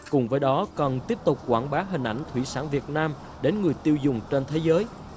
cùng với đó cần tiếp tục quảng bá hình ảnh thủy sản việt nam đến người tiêu dùng trên thế giới